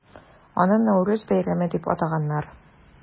Аны Нәүрүз бәйрәме дип атаганнар.